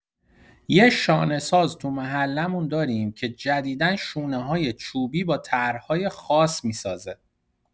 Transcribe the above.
یه شانه‌ساز تو محله‌مون داریم که جدیدا شونه‌های چوبی با طرح‌های خاص می‌سازه.